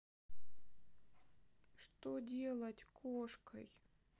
что делать кошкой